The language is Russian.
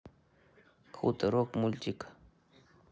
хуторок мультик